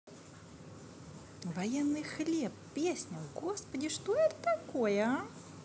военный хлеб песня господи это что такое а